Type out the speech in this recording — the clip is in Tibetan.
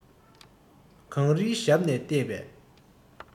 གངས རིའི ཞབས ནས ལྟས པས